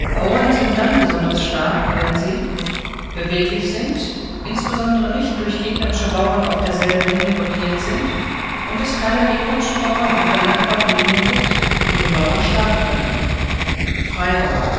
Bauern sind dann besonders stark, wenn sie: Beweglich sind, insbesondere nicht durch gegnerische Bauern auf derselben Linie blockiert sind und es keine gegnerischen Bauern auf benachbarten Linien gibt, die den Bauern schlagen könnten (Freibauer